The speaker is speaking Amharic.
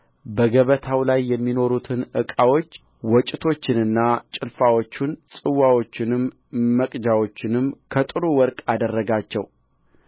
በገበታው ላይ የሚኖሩትን ዕቃዎች ወጭቶቹንና ጭልፋዎቹን ጽዋዎቹንም መቅጃዎቹንም ከጥሩ ወርቅ አደረጋቸው